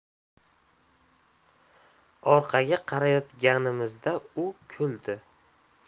orqaga qaytayotganimizda u kuldi